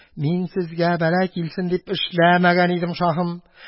Мин сезгә бәла килсен дип эшләмәгән идем, шаһым.